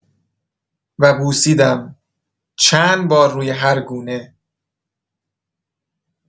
و بوسیدم، چند بار روی هرگونه.